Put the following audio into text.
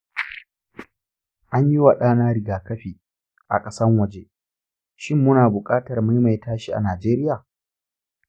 an yi wa ɗana rigakafi a ƙasan waje; shin muna buƙatar maimaita shi a najeriya?